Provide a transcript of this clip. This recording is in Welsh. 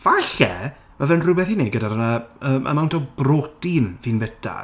Falle mae fe'n rhywbeth i wneud gyda'r yy yym amount o brotein fi'n bwyta.